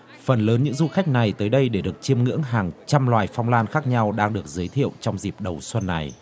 phần lớn những du khách này tới đây để được chiêm ngưỡng hàng trăm loài phong lan khác nhau đang được giới thiệu trong dịp đầu xuân này